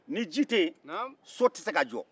ni ji tɛ yen so tɛ se ka jɔ